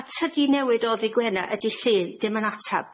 A tydi newid o ddydd Gwener a dydd Llun ddim yn atab.